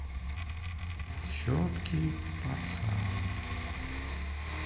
четкий пацан